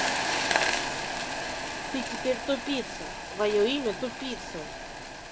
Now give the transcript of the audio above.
ты теперь тупица твое имя тупица